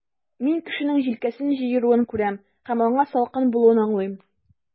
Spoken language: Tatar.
Мин кешенең җилкәсен җыеруын күрәм, һәм аңа салкын булуын аңлыйм.